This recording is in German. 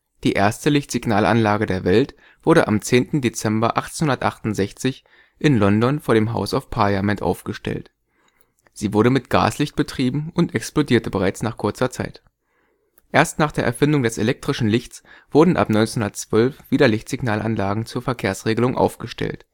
Die erste Lichtsignalanlage der Welt wurde am 10. Dezember 1868 in London vor dem House of Parliament aufgestellt. Sie wurde mit Gaslicht betrieben und explodierte bereits nach kurzer Zeit. Erst nach der Erfindung des elektrischen Lichts wurden ab 1912 wieder Lichtsignalanlagen zur Verkehrsregelung aufgestellt